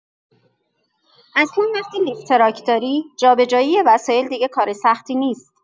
اصلا وقتی لیفتراک داری، جابه‌جایی وسایل دیگه کار سختی نیست.